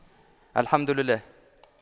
الحمد لله